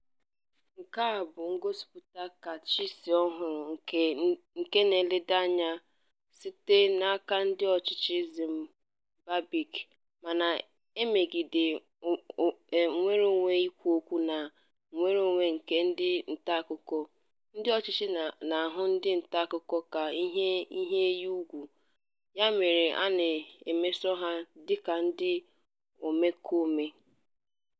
Nke a bụ ngosipụta kachasị ọhụrụ nke nleda anya sitere n'aka ndị ọchịchị Mozambique ma na-emegide nnwereonwe ikwu okwu na nnwereonwe nke ndị ntaakụkọ... ndị ọchịchị na-ahụ ndị ntaakụkọ ka ihe iyi egwu, ya mere a na-emeso ha dị ka ndị omekome.